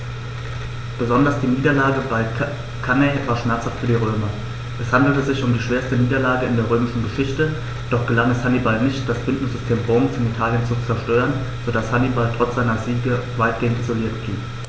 Besonders die Niederlage bei Cannae war schmerzhaft für die Römer: Es handelte sich um die schwerste Niederlage in der römischen Geschichte, doch gelang es Hannibal nicht, das Bündnissystem Roms in Italien zu zerstören, sodass Hannibal trotz seiner Siege weitgehend isoliert blieb.